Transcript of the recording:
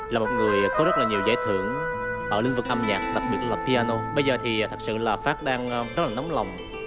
là một người có rất là nhiều giải thưởng ở lĩnh vực âm nhạc đặc biệt là pi a nô bây giờ thì thật sự là phát đang rất là nóng lòng